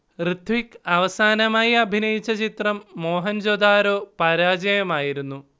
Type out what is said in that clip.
ഋത്വിക്ക് അവസാനമായി അഭിനയിച്ച ചിത്രം മോഹൻ ജൊദാരോ പരാജയമായിരുന്നു